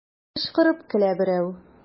Кычкырып көлә берәү.